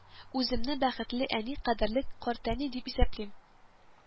Үземне бәхетле әни, кадерле картәни дип исәплим